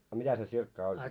a mitä se sirkka oli